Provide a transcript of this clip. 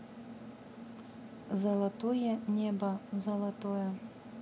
золотое небо золотое